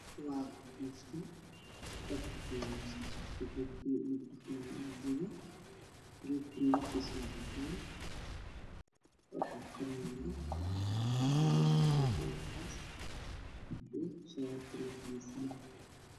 Waa musqul waxay leedahay shawar ka dharkiisu yahay cadeys m darbigu waa caddaan hoos waa madow